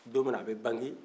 don mi na a bɛ bange